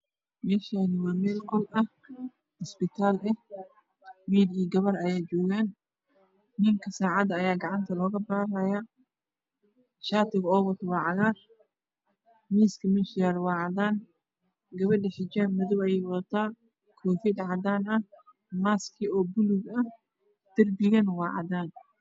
Meshani waa mel qol ah gabar iyo wiil ayaa joogan ninka sacad ayaa lagu barayasharka uu wato waa cagar miska mesha yala waa cadan xijabka gabadha wa madow maski buluga ayee wadata